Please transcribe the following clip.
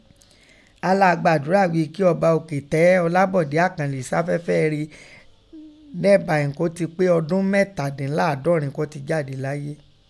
A lá gbàdọ́rà ghíi kí Ọba oke tẹ́ Olabode Akanni si afẹ́fě ẹ re nẹ́bàín kó ti pe ọdún mẹtadinlaadọrin kọ́ ti jade laye.